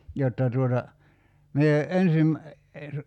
jotta tuota minä ensin -